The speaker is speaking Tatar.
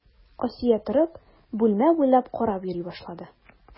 Асия торып, бүлмә буйлап карап йөри башлады.